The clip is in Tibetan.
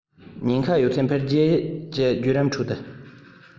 ཉེན ཁ ཡོད ཚད འཕེལ རྒྱས ཀྱི བརྒྱུད རིམ ཁྲོད དུ